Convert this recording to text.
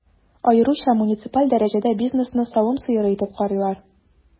Аеруча муниципаль дәрәҗәдә бизнесны савым сыеры итеп карыйлар.